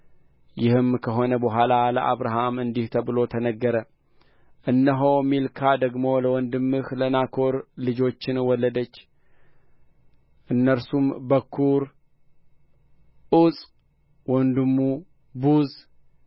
ይህም ከሆነ በኋልላ ለአብርሃም እንዲህ ተብሎ ተነገረ እነሆ ሚልካ ደግሞ ለወንድምህ ለናኮር ልጆችን ወለደች እነርሱም በኵሩ ዑፅ ወንድሙ ቡዝ